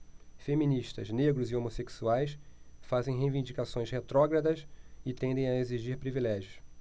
feministas negros e homossexuais fazem reivindicações retrógradas e tendem a exigir privilégios